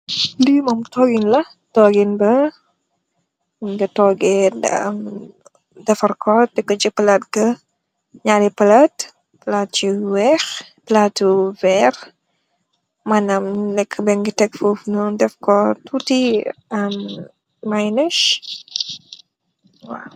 Lii mom toogin la, toogin bi ñung ko toogee, defar ko tek ko ci palaat ga, ñaari palaat, palaat yu weex, palaatu véér, manaam leegë baa ngi tek foof yu def fa tuuti, mayonés.